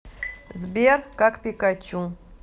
сбер как пикачу